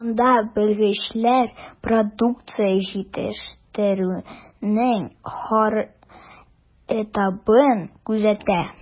Анда белгечләр продукция җитештерүнең һәр этабын күзәтә.